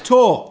'To?